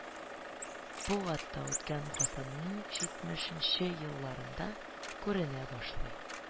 Бугатта үткән гасырның җитмешенче елларында күренә башлый,